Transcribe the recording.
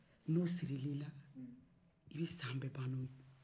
n'o sirila i la e bɛ san bɛɛ ban n'o ye